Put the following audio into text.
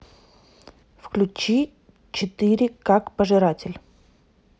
включи четыре как пожиратель